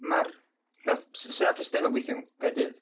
Mae'r... wnaeth... s- sut nath y Steddfod weithio yn Gaerdydd?